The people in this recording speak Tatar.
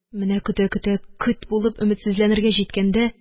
Менә көтә-көтә көт булып өметсезләнергә җиткәндә